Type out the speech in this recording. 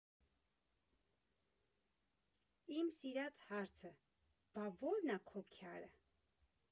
Իմ սիրած հարցը,֊ բա ո՞րն ա քո քյարը։